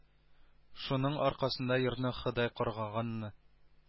Шуның аркасында йортны ходай каргаганмы